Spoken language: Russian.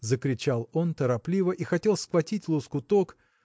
– закричал он торопливо и хотел схватить лоскуток.